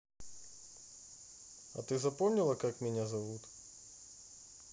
а ты запомнила как меня зовут